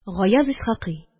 Гаяз Исхакый